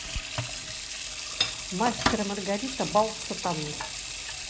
мастер и маргарита бал сатаны